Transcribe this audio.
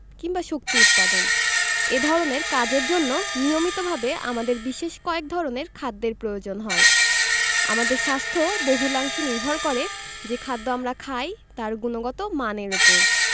কিংবা শক্তি উৎপাদন এ ধরনের কাজের জন্য নিয়মিতভাবে আমাদের বিশেষ কয়েক ধরনের খাদ্যের প্রয়োজন হয় আমাদের স্বাস্থ্য বহুলাংশে নির্ভর করে যে খাদ্য আমরা খাই তার গুণগত মানের ওপর